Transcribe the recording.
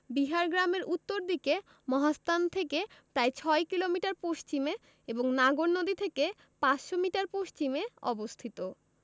বিহার গ্রামের উত্তর দিকে মহাস্থান থেকে প্রায় ৬ কিলোমিটার পশ্চিমে এবং নাগর নদী থেকে ৫০০ মিটার পশ্চিমে অবস্থিত